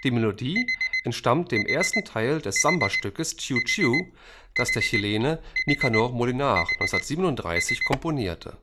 Melodie entstammt dem ersten Teil des Sambastücks Chiu Chiu, das der Chilene Nicanor Molinare 1937 komponierte